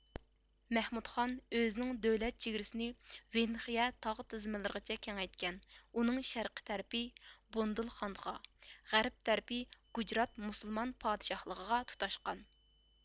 مەھمۇدخان ئۆزىنىڭ دۆلەت چېگرىسىنى ۋىندخىيە تاغ تىزمىلىرىغىچە كېڭەيتكەن ئۇنىڭ شەرقىي تەرىپى بوندېلخاندغا غەرپ تەرىپى گۇجرات مۇسۇلمان پادىشاھلىقىغا تۇتاشقان